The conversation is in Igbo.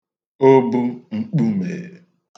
obe mkpumè